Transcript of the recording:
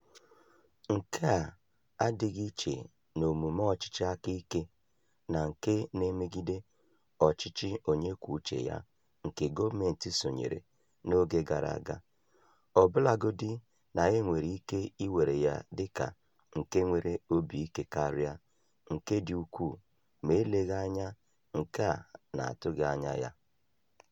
Nke a adịghị iche n'omume ọchịchị aka ike na nke na-emegide ọchịchị onye kwuo uche ya nke gọọmentị sonyere n'oge gara aga, ọbụlagodi na e nwere ike iwere ya dị ka nke nwere obi ike karịa, nke dị ukwuu ma eleghị anya nke a na-atụghị anya ya.